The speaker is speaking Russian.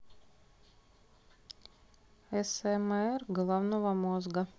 asmr головного мозга